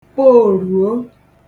kpoòrùo